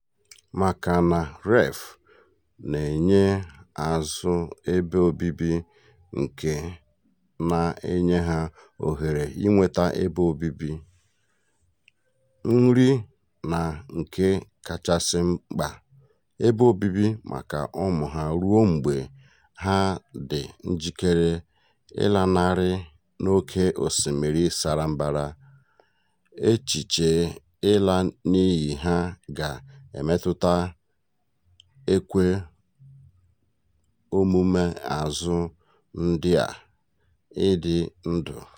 Maka na Reef na-enye azụ̀ ebe obibi nke na-enye ha ohere ịnweta ebe obibi, nri na nke kachasị mkpa, ebe obibi maka ụmụ ha ruo mgbe ha dị njikere ịlanarị n'oké osimiri sara mbara, echiche ịla n'iyi ha ga-emetụta ekwe omume azụ ndị a ịdị ndụ.